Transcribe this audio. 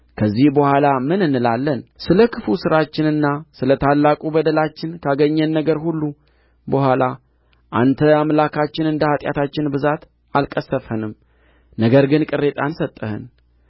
ከዚህ በኋላ ምን እንላለን ስለ ክፉ ሥራችንና ስለ ታላቁ በደላችን ካገኘን ነገር ሁሉ በኋላ አንተ አምላካችን እንደ ኃጢአታችን ብዛት አልቀሠፍኸንም ነገር ግን ቅሬታን ሰጠኸን